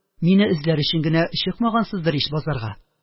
Мине эзләр өчен генә чыкмагансыздыр ич базарга?